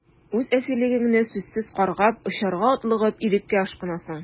Үз әсирлегеңне сүзсез каргап, очарга атлыгып, иреккә ашкынасың...